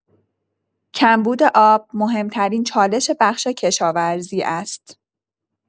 کمبود آب مهم‌ترین چالش بخش کشاورزی است.